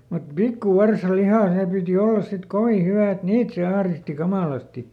mutta pikkuvarsanliha se piti olla sitten kovin hyvää että niitä se ahdisti kamalasti